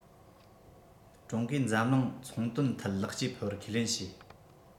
ཀྲུང གོས འཛམ གླིང ཚོང དོན ཐད ལེགས སྐྱེས ཕུལ བར ཁས ལེན བྱོས